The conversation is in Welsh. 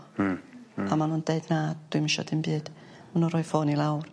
Hmm. Hmm. A ma' nw'n deud na dwi'm isio dim byd. Ma' nw rhoi ffôn i lawr.